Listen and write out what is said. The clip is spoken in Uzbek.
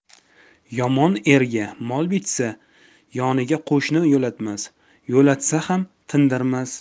yomon erga mol bitsa yoniga qo'shni yoiatmas yoiatsa ham tindirmas